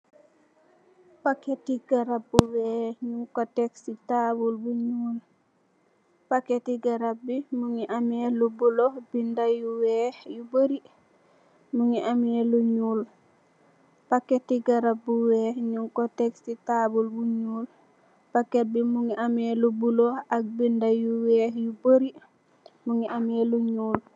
Packet garap bu waex nu ku tak ci tabul bu nuul mu gi am biadda u bullo ak biadda waex u barrie